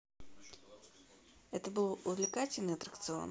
это был увлекательный аттракцион